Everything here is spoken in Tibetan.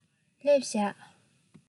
སླེབས བཞག